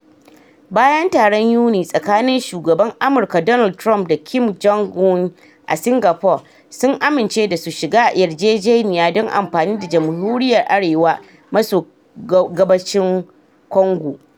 Bayan taron Yuni tsakanin shugaban Amurka Donald Trump da Kim Jong-un a Singapore, sun amince da su shiga yarjejeniya don amfani da Jamhuriyyar Arewa maso gabashin Congo.